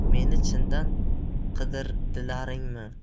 meni chindan qidirdilaringmi